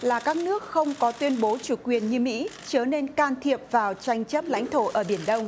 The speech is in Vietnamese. là các nước không có tuyên bố chủ quyền như mỹ chớ nên can thiệp vào tranh chấp lãnh thổ ở biển đông